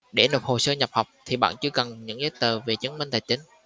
để nộp hồ sơ nhập học thì bạn chưa cần những giấy tờ về chứng minh tài chính